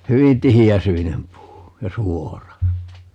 hyvin tiheäsyinen puu ja suora